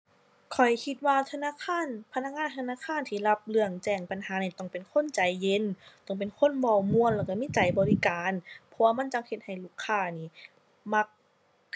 ข้อยคิดว่าธนาคาร พนักงานธนาคารที่รับเรื่องแจ้งปัญหานี่ต้องเป็นคนใจเย็น ต้องเป็นคนเว้าม่วนแล้วก็มีใจบริการ เพราะว่ามันจั่งเฮ็ดให้ลูกค้านี่มัก